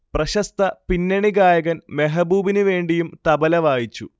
പ്രശസ്ത പിന്നണിഗായകൻ മെഹബൂബിനു വേണ്ടിയും തബല വായിച്ചു